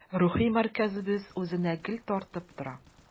Рухи мәркәзебез үзенә гел тартып тора.